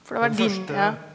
for det var ja.